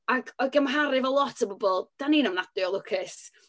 Ac o'i gymharu efo lot o bobl, dan ni'n ofnadwy o lwcus.